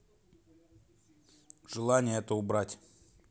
желание это убрать